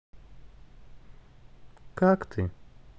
как ты